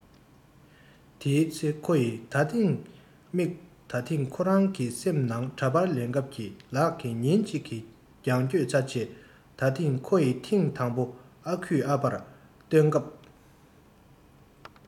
དེའི ཚེ ཁོ ཡི ད ཐེངས དམིགས ད ཐེངས ཁོ རང གི སེམས ནང འདྲ པར ལེན སྐབས ཀྱི ལག གི ཉིན གཅིག གི རྒྱང བསྐྱོད ཚར རྗེས ད ཐེངས ཁོ ཡི ཐེངས དང པོ ཨ ཁུས ཨ ཕར བཏོན སྐབས